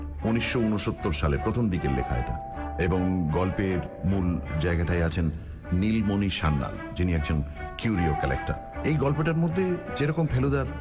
১৯৬৯ সালে প্রথম দিকের লেখা এটা এবং গল্পের মুল জায়গাটায় আছেন নিলমণি সান্যাল যিনি একজন কিউরিও কালেকটর এ গল্পটার মধ্যে যে রকম ফেলুদার